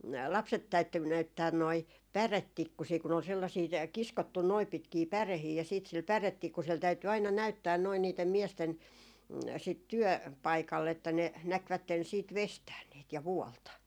lapset täytyi näyttää noin päretikkusia kun oli sellaisia - kiskottu noin pitkiä päreitä ja sitten sillä päretikkusella täytyi aina näyttää noin niiden miesten sitten - työpaikalle että ne näkivät sitten veistää niitä ja vuolla